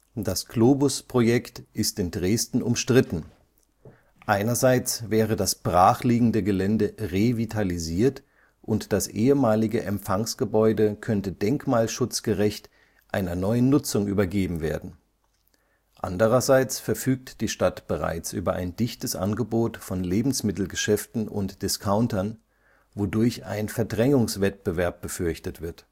Das Globus-Projekt ist in Dresden umstritten, einerseits wäre das brach liegende Gelände revitalisiert und das ehemalige Empfangsgebäude könnte denkmalschutzgerecht einer neuen Nutzung übergeben werden, andererseits verfügt die Stadt bereits über ein dichtes Angebot von Lebensmittelgeschäften und Discountern, wodurch ein Verdrängungswettbewerb befürchtet wird